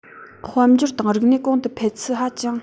དཔལ འབྱོར དང རིག གནས གོང དུ འཕེལ ཚུལ ཧ ཅང དོ མི མཉམ པ